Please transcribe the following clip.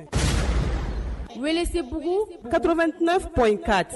Bugu katotuma ko ina